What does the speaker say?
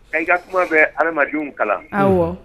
Ɛ ka kuma bɛ adamadenw kalan